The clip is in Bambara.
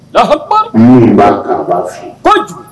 Haba ba kojugu